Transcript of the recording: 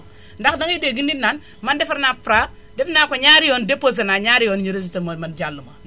ndax dangay dégg nit naan man defar naa Fra def naa ko ñaari yoon déposé naa ñaari yoon ñu rejeté ma man jàlluma